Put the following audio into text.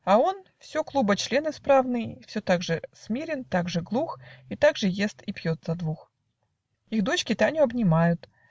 А он, все клуба член исправный, Все так же смирен, так же глух И так же ест и пьет за двух. Их дочки Таню обнимают.